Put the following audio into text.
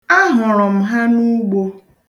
A hụrụ m ha n'ugbo.